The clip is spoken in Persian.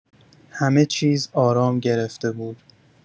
همه چیز آرام گرفته بود.